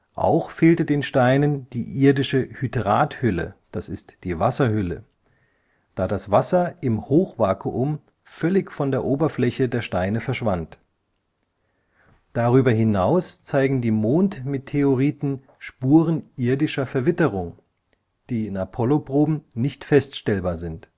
Auch fehlte den Steinen die irdische Hydrathülle (= Wasserhülle), da das Wasser im Hochvakuum völlig von der Oberfläche der Steine verschwand. Darüber hinaus zeigen die Mondmeteoriten Spuren irdischer Verwitterung, die in Apollo-Proben nicht feststellbar sind